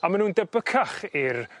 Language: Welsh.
a ma' nw'n debycach i'r